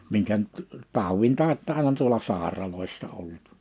minkä nyt taudin tautta aina tuolla sairaaloissa ollut